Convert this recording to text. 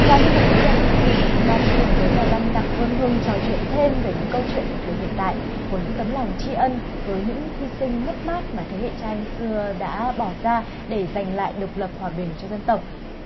và trong phần tiếp theo của chương trình thì chúng ta sẽ cùng với nhà văn đặng vương hưng trò chuyện thêm về những câu chuyện của thời hiện tại của những tấm lòng tri ân với những hy sinh mất mát mà thế hệ cha anh xưa đã bỏ ra để giành lại độc lập hòa bình cho dân tộc